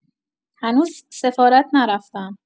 هنوز سفارت نرفتم.